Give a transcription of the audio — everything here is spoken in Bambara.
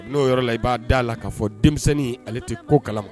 N'o yɔrɔ la i b'a da a la k'a fɔ denmisɛnnin ale tɛ ko kala